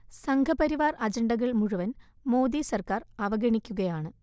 സംഘപരിവാർ അജണ്ടകൾ മുഴുവൻ മോദി സർക്കാർ അവഗണിക്കുകയാണ്